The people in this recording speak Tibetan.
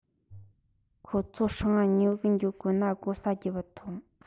ཁོད ཚོ སྲང ང ཉུལ གི འགྱོ དགོ ན སྒོ ཟྭ རྒྱོབ བ ཐོངས